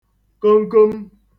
komkom